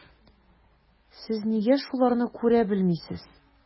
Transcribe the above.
Сез нигә шуларны күрә белмисез?